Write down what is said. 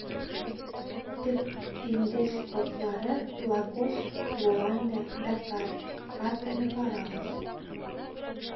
Төп диңгез портлары - Лагос, Луанда, Дакар (картаны карагыз).